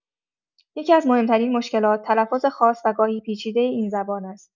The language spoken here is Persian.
یکی‌از مهم‌ترین مشکلات، تلفظ خاص و گاهی پیچیده این زبان است.